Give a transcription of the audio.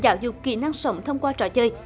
giáo dục kỹ năng sống thông qua trò chơi